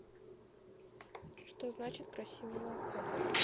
что значит красивого кода